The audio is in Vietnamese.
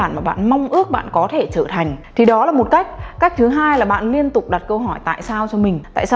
mà bạn mong ước bạn có thể trở thành thì đó là một cách cách thứ là bạn liên tục đặt câu hỏi tại sao cho mình tại sao bạn thích những thứ này